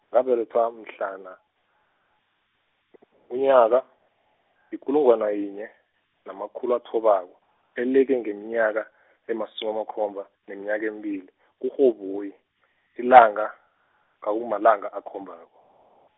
ngabelethwa mhlana, unyaka, ikulungwana yinye, namakhulu athobako, eleke ngeminyaka emasumi amakhomba, neminyaka eembili kuRhoboyi, ilanga kakumalanga akhombako.